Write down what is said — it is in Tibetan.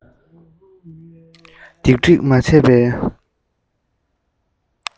སྡེབ བསྒྲིགས མ བྱས པའི